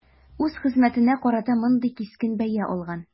Үз хезмәтенә карата мондый кискен бәя алган.